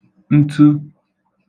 ǹtu